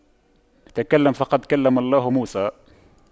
تكلم فقد كلم الله موسى